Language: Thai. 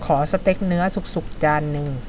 ขอสเต็กเนื้อสุกๆจานนึง